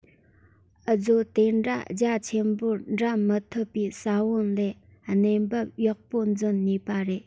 གཟོད དེ འདྲ རྒྱ ཆེན པོར གྲམ མི ཐུབ པའི ས བོན ལས གནས བབ ཡག པོ འཛིན ནུས པ རེད